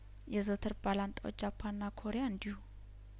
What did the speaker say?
የዘወትር ባላንጣዎች ጃፓንና ኮሪያ እንዲ